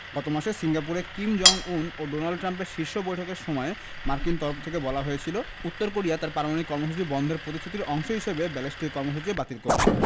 গত মাসে সিঙ্গাপুরে কিম জং উন ও ডোনাল্ড ট্রাম্পের শীর্ষ বৈঠকের সময় মার্কিন তরফ থেকে বলা হয়েছিল উত্তর কোরিয়া তার পারমাণবিক কর্মসূচি বন্ধের প্রতিশ্রুতির অংশ হিসেবে ব্যালিস্টিক কর্মসূচিও বাতিল করবে